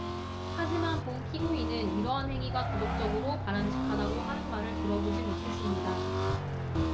하지만 본 피고인은 이러한 행위가 도덕적으로 바람직하다고 하는 말을 들어보지 못했습니다